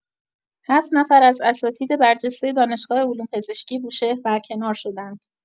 هفت نفر از اساتید برجسته دانشگاه علوم‌پزشکی بوشهر برکنار شدند!